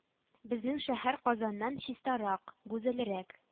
Безнең шәһәр Казаннан чистарак, гүзәлрәк